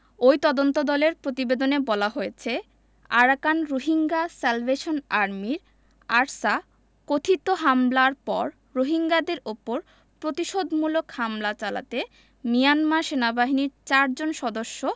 ওই তদন্তদলের প্রতিবেদনে বলা হয়েছে আরাকান রোহিঙ্গা স্যালভেশন আর্মির আরসা কথিত হামলার পর রোহিঙ্গাদের ওপর প্রতিশোধমূলক হামলা চালাতে মিয়ানমার সেনাবাহিনীর চারজন সদস্য